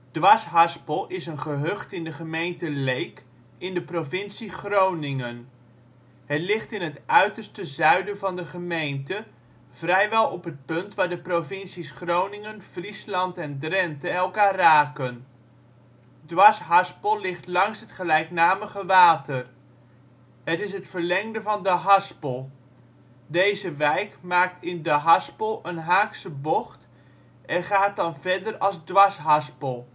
Dwarsharspel is een gehucht in de gemeente Leek in de provincie Groningen. Het ligt in het uiterste zuiden van de gemeente, vrijwel op het punt waar de provincies Groningen, Friesland en Drenthe elkaar raken. Dwarshaspel ligt langs het gelijknamige water. Het is het verlengde van De Haspel, deze wijk maakt in De Haspel een haakse bocht en gaat dan verder als Dwarshaspel